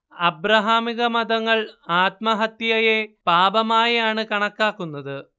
അബ്രഹാമികമതങ്ങൾ ആത്മഹത്യയെ പാപമായാണ് കണക്കാക്കുന്നത്